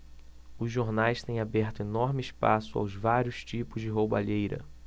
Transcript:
os jornais têm aberto enorme espaço aos vários tipos de roubalheira